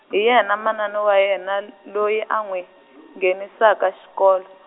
hi yena manani wa yena l- loyi a n'wi, nghenisaka xikolo.